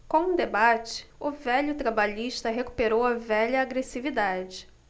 com o debate o velho trabalhista recuperou a velha agressividade